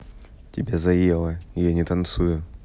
тебя заела я не танцую